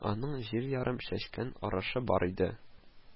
Аның җир ярым чәчкән арышы бар иде